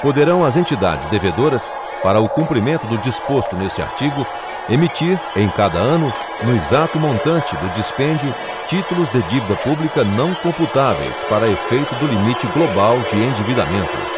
poderão as entidades devedoras para o cumprimento do disposto neste artigo emitir em cada ano no exato montante do dispêndio títulos de dívida pública não computáveis para efeito do limite global de endividamento